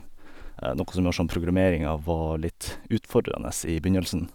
Nokka som gjorde sånn programmeringa var litt utfordrende i begynnelsen.